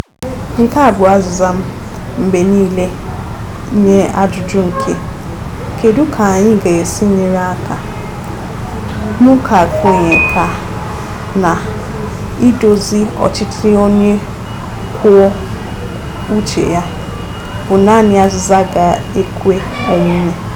Nke a bụ azịza m mgbe niile nye ajụjụ nke "kedu ka anyị ga-esi nyere aka?" M ka kwenyere na [idozi ọchịchị onye kwuo uche ya] bụ naanị azịza ga-ekwe omume.